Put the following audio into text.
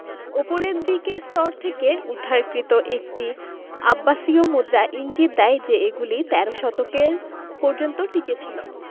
উপরের দিকের স্তর থেকে উদ্ধারকৃত একটি আব্বাসীয় মুদ্রা ইঙ্গিত দেয় যে এগুলি তেরো শতকের পর্যন্ত টিকেছিল